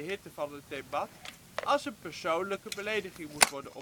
hitte van het debat) als een persoonlijke belediging moet worden